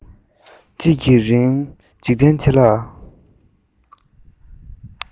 གཅིག གི རིང འཇིག རྟེན འདི ལ